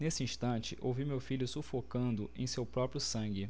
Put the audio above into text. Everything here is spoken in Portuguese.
nesse instante ouvi meu filho sufocando em seu próprio sangue